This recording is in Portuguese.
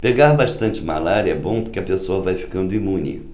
pegar bastante malária é bom porque a pessoa vai ficando imune